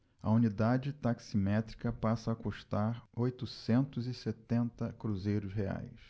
a unidade taximétrica passa a custar oitocentos e setenta cruzeiros reais